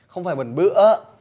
không phải bẩn bựa